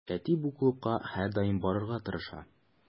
Әти бу клубка һәрдаим барырга тырыша.